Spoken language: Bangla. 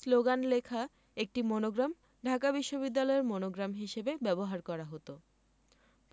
শ্লোগান লেখা একটি মনোগ্রাম ঢাকা বিশ্ববিদ্যালয়ের মনোগ্রাম হিসেবে ব্যবহার করা হতো